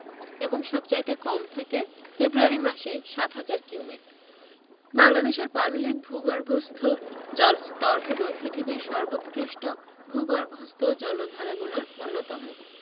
এবং সবচাইতে কম থাকে ফেব্রুয়ারি মাসে ৭হাজার কিউমেক বাংলাদেশের পাললিক ভূগর্ভস্থ জলস্তরগুলো পৃথিবীর সর্বোৎকৃষ্টভূগর্ভস্থ জলাধারাগুলোর অন্যতম